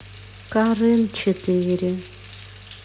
карен четыре